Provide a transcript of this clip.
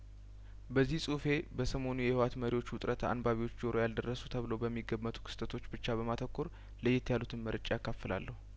በዚህ ጹሁፌ በሰሞኑ የህወሀት መሪዎች ውጥረት አንባቢዎች ጆሮ ያልደረሱ ተብለው በሚገመቱ ክስተቶች ብቻ በማተኮር ለየት ያሉትን መርጬ አካፍላለሁ